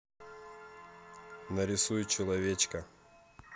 нарисуй человечка